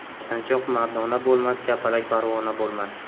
yasanchoq mardona bo'lmas kapalak parvona bo'lmas